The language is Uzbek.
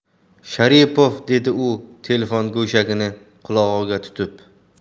sharipov dedi u telefon go'shagini qulog'iga tutib